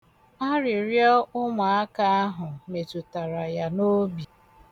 Arịrịọ ụmụaka ahụ metutara ya n'obi.